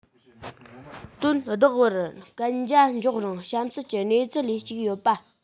དོ བདག བར གན རྒྱ འཇོག རིང གཤམ གསལ གྱི གནས ཚུལ ལས གཅིག ཡོད པ